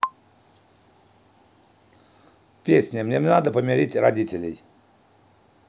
песня мне надо помирить родителей